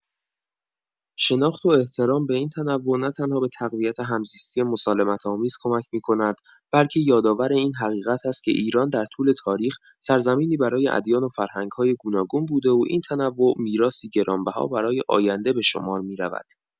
شناخت و احترام به این تنوع نه‌تنها به تقویت همزیستی مسالمت‌آمیز کمک می‌کند بلکه یادآور این حقیقت است که ایران، در طول تاریخ، سرزمینی برای ادیان و فرهنگ‌های گوناگون بوده و این تنوع میراثی گرانبها برای آینده به شمار می‌رود.